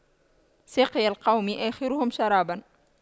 ساقي القوم آخرهم شراباً